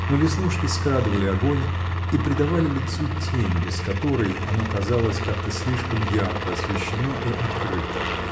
Но веснушки скрадывали огонь и придавали лицу тень, без которой оно казалось как-то слишком ярко освещено и открыто.